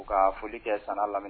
U ka foli kɛ san laminɛ